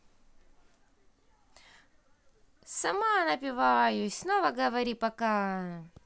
самая напиваюсь снова говори пока